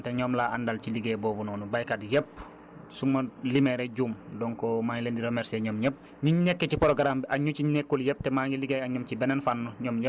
donc côté boobu moom maa ngi ciy kontaan di kontaan tamit ci ñi nga xamante ne ñoom laa àndal ci liggéey boobu noonu baykat yépp su ma limee rekk juum donc maa ngi leen di remercier ñoom ñépp